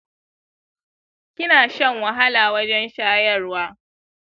kina shan wahala wajen shayarwa